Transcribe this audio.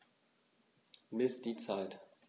Miss die Zeit.